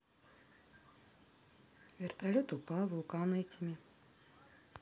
вертолет упал вулкан этими